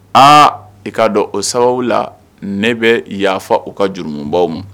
Aa i k'a dɔn o sababu la ne bɛ yafafa u ka juruunbaw ma